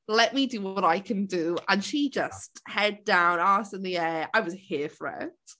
"Let me do what I can do." And she just head down arse in the air. I was here for it.